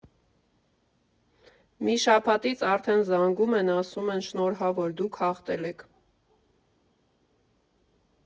Մի շաբաթից արդեն զանգում են, ասում են՝ շնորհավոր, դուք հաղթել եք։